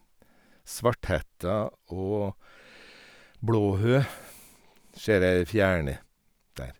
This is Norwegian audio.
Svarthetta og Blåhø ser jeg i det fjerne der.